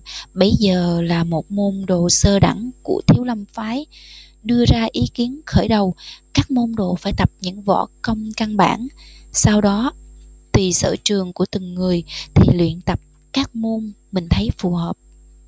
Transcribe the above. bấy giờ là một môn đồ sơ đẳng của thiếu lâm phái đưa ra ý kiến khởi đầu các môn đồ phải tập những võ công căn bản sau đó tùy sở trường của từng người thì luyện tập các môn mình thấy phù hợp